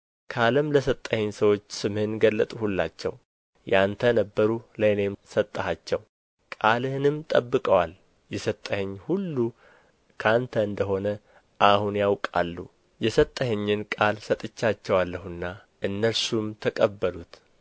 ከዓለም ለሰጠኸኝ ሰዎች ስምህን ገለጥሁላቸው የአንተ ነበሩ ለእኔም ሰጠሃቸው ቃልህንም ጠብቀዋል የሰጠኸኝ ሁሉ ከአንተ እንደ ሆነ አሁን ያውቃሉ የሰጠኸኝን ቃል ሰጥቻቸዋለሁና እነርሱም ተቀበሉት